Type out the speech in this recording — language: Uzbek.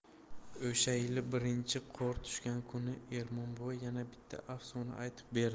o'sha yili birinchi qor tushgan kuni ermon buva yana bitta afsona aytib berdi